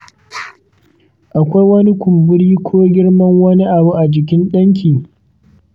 akwai wani kumburi ko girman wani abu a jikin danki?